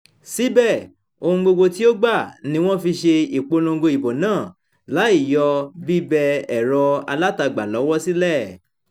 Síbẹ̀, ohun gbogbo tí ó gbà ni wọ́n fi ṣe ìpolongo ìbò náà, láì yọ bíbẹ ẹ̀rọ alátagbà lọ́wẹ̀ sílẹ̀.